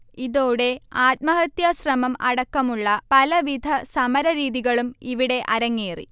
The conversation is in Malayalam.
ഇതോടെ ആത്മഹത്യ ശ്രമം അടക്കമുള്ള പലവിധ സമരരീതികളും ഇവിടെ അരങ്ങേറി